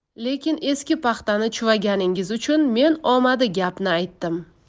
lekin eski paxtani chuvaganingiz uchun men omadi gapni aytdim